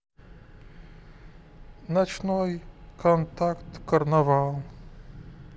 ночной контакт карнавал